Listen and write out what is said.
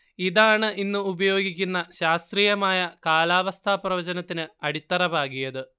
ഇതാണ് ഇന്ന് ഉപയോഗിക്കുന്ന ശാസ്ത്രീയമായ കാലാവസ്ഥാപ്രവചനത്തിന് അടിത്തറ പാകിയത്